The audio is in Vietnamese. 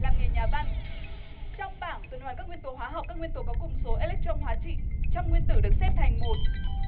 làm nghề nhà văn trong bảng tuần hoàn các nguyên tố hóa học các nguyên tố có cùng số ê lếch trông hóa trị trong nguyên tử được xếp thành một